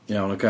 Iawn, ocê.